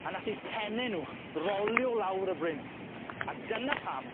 A nath eu penne nw rolio lawr y bryn a dyna pam